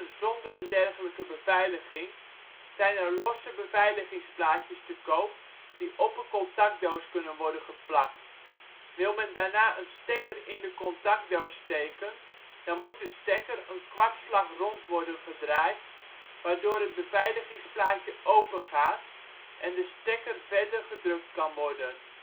zonder een dergelijke beveiliging zijn er losse beveiligingsplaatjes te koop die op een contactdoos kunnen worden geplakt. Wil men daarna een stekker in de contactdoos steken, dan moet de stekker een kwartslag rond worden gedraaid, waardoor het beveiligingsplaatje open gaat en de stekker verder gedrukt kan worden